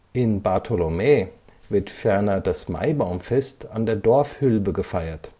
In Bartholomä wird ferner das Maibaumfest an der Dorfhülbe gefeiert